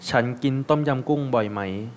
ฉันกินต้มยำกุ้งบ่อยไหม